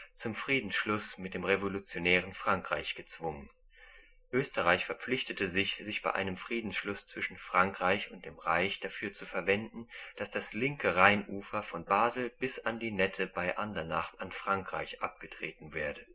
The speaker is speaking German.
zum Friedensschluss mit dem revolutionären Frankreich gezwungen. Österreich verpflichtete sich, sich bei einem Friedensschluss zwischen Frankreich und dem Reich dafür zu verwenden, dass das linke Rheinufer von Basel bis an die Nette bei Andernach an Frankreich abgetreten werde